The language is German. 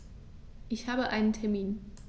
Ich habe einen Termin.